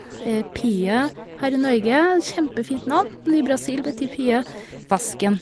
Pia, her i Norge, kjempefint navn, men i Brasil betyr pia vasken.